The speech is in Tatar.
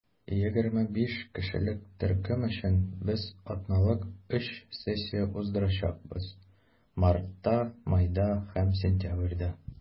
25 кешелек төркем өчен без атналык өч сессия уздырачакбыз - мартта, майда һәм сентябрьдә.